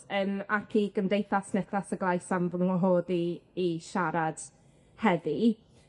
Yym ac i Gymdeithas Niclas y Glais am fy ngwahod i i siarad heddi.